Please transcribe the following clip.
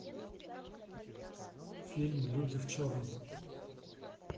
фильм люди в черном